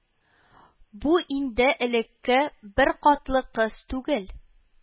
Бу инде элекке беркатлы кыз түгел